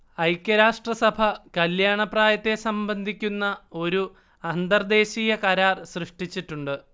ഐക്യരാഷട്രസഭ കല്യാണപ്രായത്തെ സംബന്ധിക്കുന്ന ഒരു അന്തർദേശീയ കരാർ സൃഷ്ടിച്ചിട്ടുണ്ട്